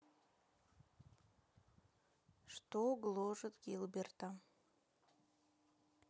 что гложет гилберта